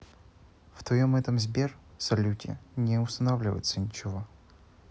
в твоем этом сбер салюте не устанавливается ничего